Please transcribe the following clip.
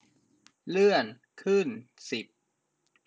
เลื่อนขึ้นสิบ